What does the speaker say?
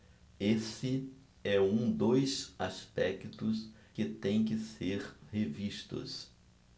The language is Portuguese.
esse é um dos aspectos que têm que ser revistos